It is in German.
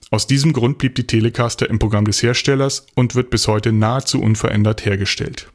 Aus diesem Grund blieb die Telecaster im Programm des Herstellers und wird bis heute nahezu unverändert hergestellt